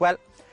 Wel,